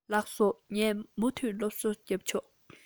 ལགས སོ ངས མུ མཐུད སློབ གསོ རྒྱབ ཆོག